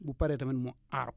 bu paree tamit mu aar ko